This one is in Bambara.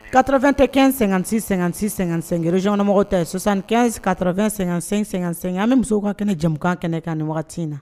Karɔrafɛn2 tɛ kɛ----sɛgro zɔnmɔgɔw tɛ sonsan ka2---sɛ an bɛ musow ka kɛnɛ jamanakan kɛnɛ kan nin wagati in na